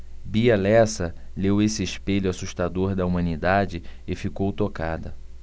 bia lessa leu esse espelho assustador da humanidade e ficou tocada